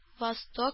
Восток